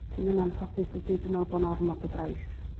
'dyn yn anffodus ydi dwi me'wl bo' 'na ormod o drais.